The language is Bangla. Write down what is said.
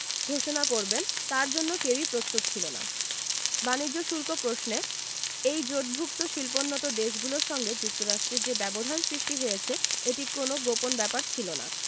ঘোষণা করবেন তার জন্য কেউই প্রস্তুত ছিল না বাণিজ্য শুল্ক প্রশ্নে এই জোটভুক্ত শিল্পোন্নত দেশগুলোর সঙ্গে যুক্তরাষ্ট্রের যে ব্যবধান সৃষ্টি হয়েছে এটি কোনো গোপন ব্যাপার ছিল না